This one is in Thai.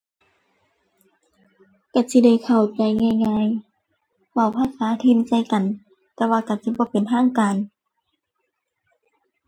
ก็สิได้เข้าใจง่ายง่าย เว้าภาษาถิ่นใส่กัน แต่ว่าก็สิบ่เป็นทางการ